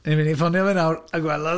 Ni'n mynd i ffonio fe nawr a gweld os...